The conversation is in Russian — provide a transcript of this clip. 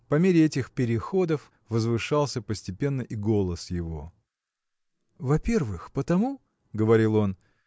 По мере этих переходов возвышался постепенно и голос его. – Во-первых потому – говорил он